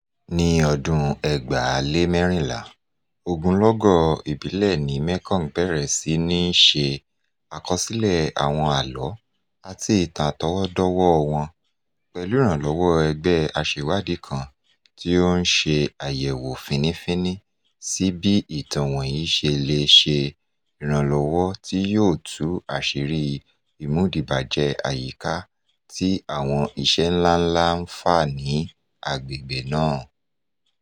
Ní ọdún 2014, ogunlọ́gọ̀ ìbílẹ̀ ní Mekong bẹ̀rẹ̀ sí ní í ṣe àkọsílẹ̀ àwọn àlọ́ àti ìtàn àtọwọ́dọ́wọ́ọ wọn pẹ̀lú ìrànlọ́wọ́ ẹgbẹ́ aṣèwádìí kan tí ó ń ṣe àyẹ̀wò fínnífínní sí bí ìtàn wọ̀nyí ṣe lè ṣe ìrànwọ́ tí yóò tú àṣìírí ìmúdìbàjẹ́ àyíká tí àwọn iṣẹ́ ńláǹlà ń fà ní agbègbè náà.